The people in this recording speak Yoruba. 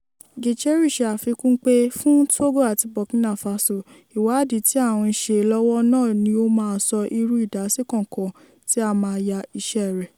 Gicheru ṣe àfikún pé, " Fún Togo àti Burkina Faso, ìwádìí tí à ń ṣe lọ́wọ́ náà ni ó máa sọ irú ìdásí kankan tí a máa ya iṣẹ́ rẹ̀".